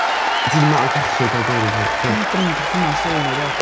Ti 'di malu cachu 'fo dau boi rywbrud. Be? Ond dim perthynas oedd wnna 'de?